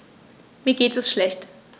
Mir geht es schlecht.